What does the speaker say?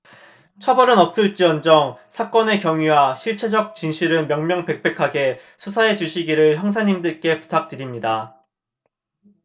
처벌은 없을지언정 사건의 경위와 실체적 진실은 명명백백하게 수사해주시기를 형사님들께 부탁드립니다